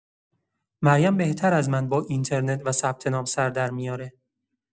مریم بهتر از من با اینترنت و ثبت‌نام سر درمی‌اره.